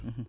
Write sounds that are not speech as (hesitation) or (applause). (hesitation) (hesitation)